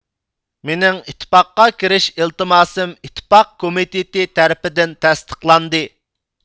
مېنىڭ ئىتتىپاققا كىرىش ئىلتىماسىم ئىتتىپاق كومىتېتى تەرىپىدىن تەستىقلاندى